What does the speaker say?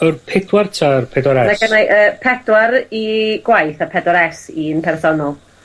yr pedwar 'ta'r, pedwar es? Ma' gynnai y pedwar i gwaith a pedwar es i'n personol.